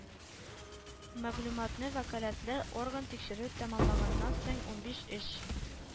Мәгълүматны вәкаләтле орган тикшерү тәмамланганнан соң унбиш эш